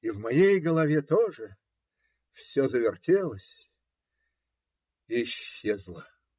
и в моей голове тоже все завертелось и исчезло.